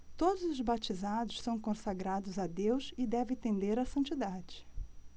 todos os batizados são consagrados a deus e devem tender à santidade